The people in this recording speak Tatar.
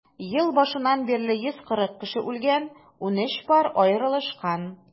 Ел башыннан бирле 140 кеше үлгән, 13 пар аерылышкан.